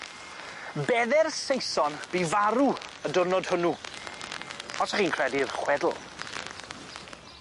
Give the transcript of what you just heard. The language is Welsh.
Bedde'r Saeson bu farw y dyrnod hwnnw os 'ych chi'n credu'r chwedl.